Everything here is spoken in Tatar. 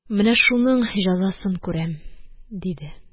Менә шуның җәзасын күрәм, – диде